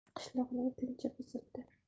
qishloqning tinchi buzildi